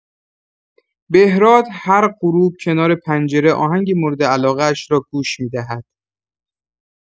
بهراد هر غروب کنار پنجره آهنگ مورد علاقه‌اش را گوش می‌دهد.